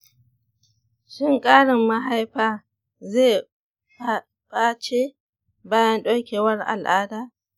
shin ƙarin mahaifa zai bace bayan ɗaukewar al'ada ?